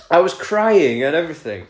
I was crying and everything